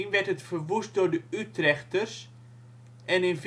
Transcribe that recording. werd het verwoest door de Utrechters en in